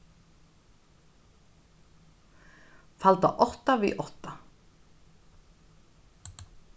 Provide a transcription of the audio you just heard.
falda átta við átta